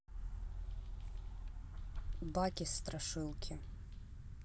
бакис страшилки